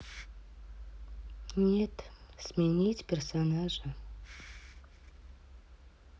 нет сменить персонажа